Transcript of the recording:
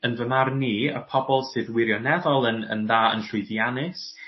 yn fy marn i y pobol sydd wirioneddol yn yn dda yn llwyddiannus